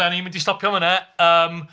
Dan ni'n mynd i stopio yn fan'na yym...